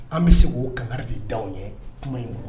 An bɛ se k oo kankari de da ye tuma ye ma